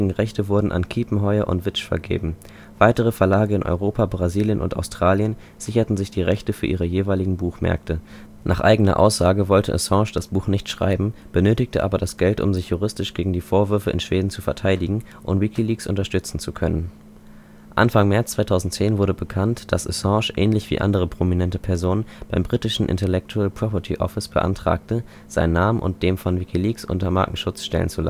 Rechte wurden an Kiepenheuer & Witsch vergeben. Weitere Verlage in Europa, Brasilien und Australien sicherten sich die Rechte für ihre jeweiligen Buchmärkte. Nach eigener Aussage wollte Assange das Buch nicht schreiben, benötigte aber das Geld, um sich juristisch gegen die Vorwürfe in Schweden zu verteidigen und WikiLeaks unterstützen zu können. Anfang März 2011 wurde bekannt, dass Assange, ähnlich wie andere prominente Personen, beim britischen Intellectual Property Office beantragte, seinen Namen und den von WikiLeaks unter Markenschutz stellen zu